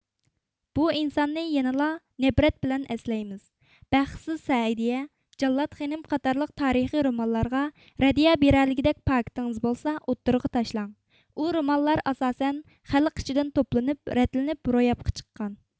بۇ ئىنساننى يەنىلا نەپرەت بىلەن ئەسلەيمىز بەختسىز سەئىدىيە جاللات خېنىم قاتارلىق تارىخى رومانلارغا رەددىيە بېرەلىگىدەك پاكىتىڭىز بولسا ئوتتۇرغا تاشلاڭ ئۇ رومانلار ئاساسەن خەق ئىچىدىن توپلىنىپ رەتلىنىپ روياپقا چىققان